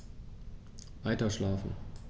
Weiterschlafen.